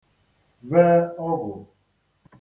ve ọgwụ̀